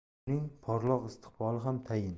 uning porloq istiqboli ham tayin